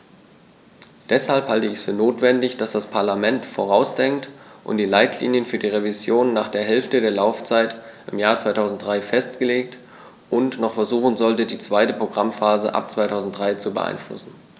Deshalb halte ich es für notwendig, dass das Parlament vorausdenkt und die Leitlinien für die Revision nach der Hälfte der Laufzeit im Jahr 2003 festlegt und noch versuchen sollte, die zweite Programmphase ab 2003 zu beeinflussen.